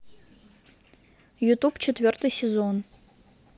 ютуб четвертый сезон